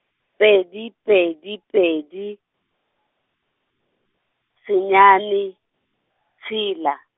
pedi pedi pedi, senyane, tshela.